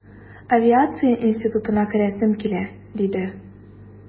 Авиация институтына керәсем килә, диде...